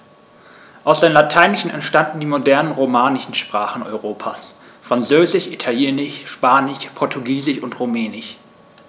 Aus dem Lateinischen entstanden die modernen „romanischen“ Sprachen Europas: Französisch, Italienisch, Spanisch, Portugiesisch und Rumänisch.